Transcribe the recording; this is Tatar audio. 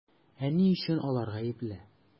Ә ни өчен алар гаепле?